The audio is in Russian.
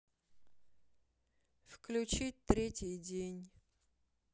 включить третий день